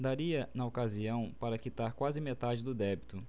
daria na ocasião para quitar quase metade do débito